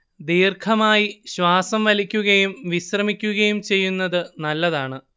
ദീർഘമായി ശ്വാസം വലിക്കുകയും വിശ്രമിക്കുകയും ചെയ്യുന്നത് നല്ലതാണ്